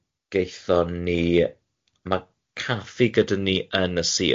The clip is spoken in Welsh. Gaethon ni ma' caffi gyda ni yn y sir.